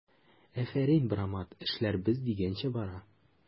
Афәрин, брамат, эшләр без дигәнчә бара!